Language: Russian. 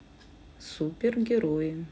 супер герои